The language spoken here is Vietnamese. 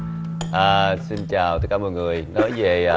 à xin chào tất cả mọi người nói về